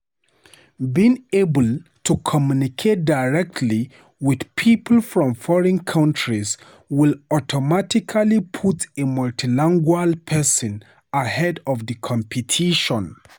Being able to communicate directly with people from foreign countries will automatically put a multilingual person ahead of the competition.